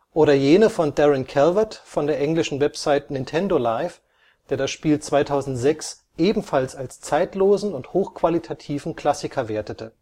oder jene von Darren Calvert von der englischen Website Nintendo Life, der das Spiel 2006 ebenfalls als zeitlosen und hochqualitativen Klassiker wertete